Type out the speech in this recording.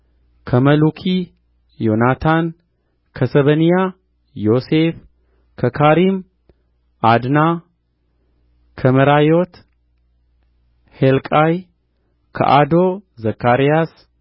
ከመሉኪ ዮናታን ከሰበንያ ዮሴፍ ከካሪም ዓድና ከመራዮት ሔልቃይ ከአዶ ዘካርያስ